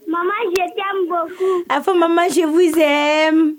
Mamajɛ ko a fa ma ma si fuz